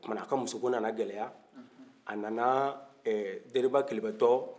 o kuma a ka muso ko na na gɛlɛya a na na ɛɛ undeciphered